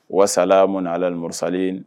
Walasala m ala nimo salen